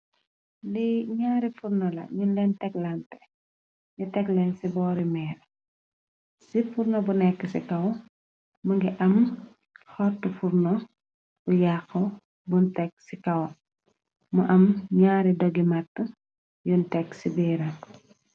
Li ñaari furno la ñung leen teglanté, ñu teg leen ci boori meer. Ci furno bu nekk ci kaw mëngi am hortu furno bu yakh bun teg ci kaw, mu am ñaari dogi matt yun teg ci biiram.